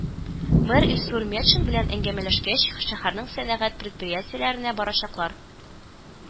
Мэр Илсур Метшин белән әңгәмәләшкәч, шәһәрнең сәнәгать предприятиеләренә барачаклар